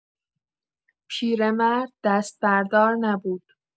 پیرمرد دست‌بردار نبود.